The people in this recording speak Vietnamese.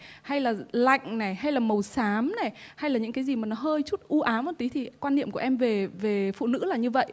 hay là lạnh này hay là màu xám này hay là những cái gì mà nó hơi chút u ám một tí thì quan niệm của em về về phụ nữ là như vậy